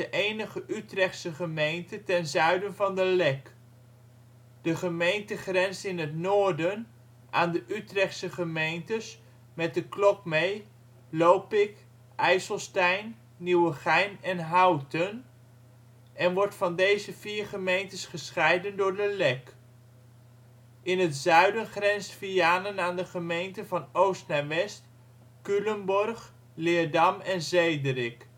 enige Utrechtse gemeente ten zuiden van de Lek. De gemeente grenst in het noorden aan de Utrechtse gemeentes (met de klok mee) Lopik, IJsselstein, Nieuwegein en Houten, en wordt van deze vier gemeentes gescheiden door de Lek. In het zuiden grenst Vianen aan de gemeenten (van oost naar west) Culemborg, Leerdam en Zederik